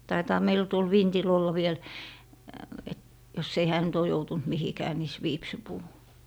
taitaa meillä tuolla vintillä olla vielä että jos ei hän nyt ole joutunut mihinkään missä viipsinpuu